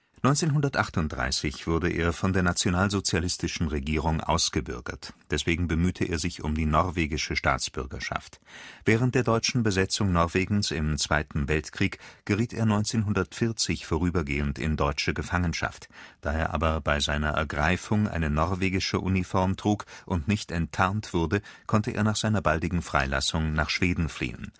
1938 wurde er von der nationalsozialistischen Regierung ausgebürgert. Deswegen bemühte er sich um die norwegische Staatsbürgerschaft. Während der deutschen Besetzung Norwegens im Zweiten Weltkrieg geriet er 1940 vorübergehend in deutsche Gefangenschaft. Da er aber bei seiner Ergreifung eine norwegische Uniform trug und nicht enttarnt wurde, konnte er nach seiner baldigen Freilassung nach Schweden fliehen